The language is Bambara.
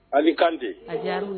A kantɛ